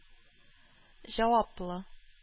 Җаваплы